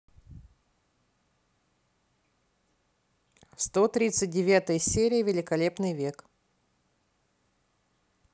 сто тридцать девятая серия великолепный век